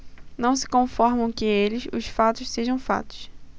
não se conformam que eles os fatos sejam fatos